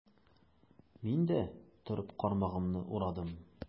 Мин дә, торып, кармагымны урадым.